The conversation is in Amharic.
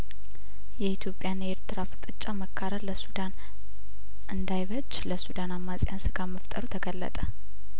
የኢትዮጵያ ና የኤርትራ ፍጥጫ መካረር ለሱዳን እንዳይበጅ ለሱዳን አማጺያን ስጋት መፍጠሩ ተገለጠ